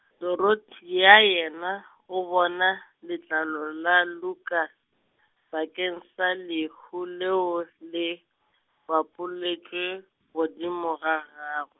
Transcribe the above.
Dorothea yena, o bona, letlalo la Lukas, bakeng sa lehu leo le, bapoletšwe, godimo ga gagw-.